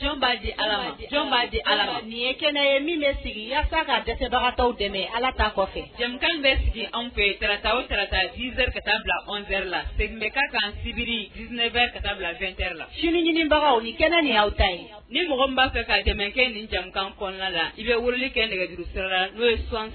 Jɔn'a di ala jɔn b'a di ala nin ye kɛnɛ ye min bɛ sigi walasasa ka dɛsɛbagataw dɛmɛ ala ta kɔfɛ jamukan bɛ sigi anw fɛ kata o sarata zp ka taa bila2 la sɛmɛ ka kan sibiri bɛ ka taa bila2ɛ la sini ɲinibagaw ye kɛnɛ ni aw ta yen ni mɔgɔ b'a fɛ ka jamanakɛ nin jamukan kɔnɔna la i bɛ wuli kɛ nɛgɛjurusɛ la n'o ye son